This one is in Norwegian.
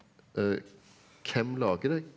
hvem lager det?